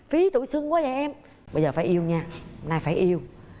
phí tuổi xuân quá vậy em bây giờ phải yêu nha nay phải yêu